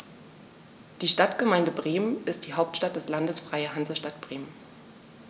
Die Stadtgemeinde Bremen ist die Hauptstadt des Landes Freie Hansestadt Bremen.